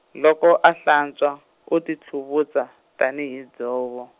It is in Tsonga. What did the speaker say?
loko a hlantswa, o ti tlhuvutsa, tani hi dzovo.